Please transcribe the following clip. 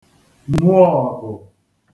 mu ọ̀gụ̀